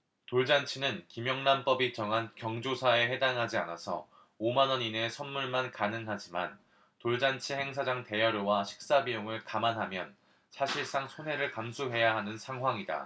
돌잔치는 김영란법이 정한 경조사에 해당하지 않아서 오 만원 이내의 선물만 가능하지만 돌잔치 행사장 대여료와 식사비용을 감안하면 사실상 손해를 감수해야 하는 상황이다